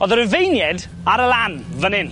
O'dd y Rifeinied ar y lan, fan 'yn.